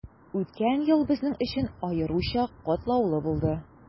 Үткән ел безнең өчен аеруча катлаулы булды.